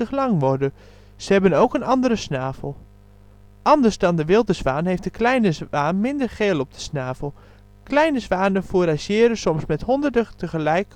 lang worden. Ze hebben ook een andere snavel. Anders dan bij de Wilde zwaan heeft de kleine zwaan minder geel op de snavel. Kleine zwanen fourageren soms met honderen tegelijk